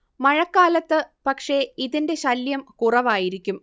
മഴക്കാലത്ത് പക്ഷേ ഇതിന്റെ ശല്യം കുറവായിരിക്കും